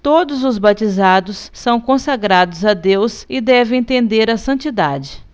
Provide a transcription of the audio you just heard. todos os batizados são consagrados a deus e devem tender à santidade